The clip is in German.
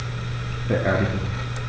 Beerdigung